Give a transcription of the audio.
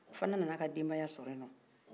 o fana nana ka denbaya sɔrɔ ye nɔn